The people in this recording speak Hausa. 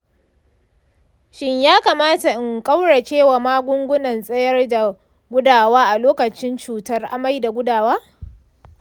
shin ya kamata in ƙauracewa magungunan tsayar da gudawa a lokacin cutar amai da gudawa?